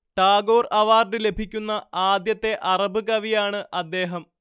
Tagore award ലഭിക്കുന്ന ആദ്യത്തെ അറബ് കവിയാണ് അദ്ദേഹം